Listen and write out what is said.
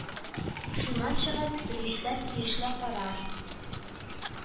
Шуннан чыгып, белгечләр тиешле карар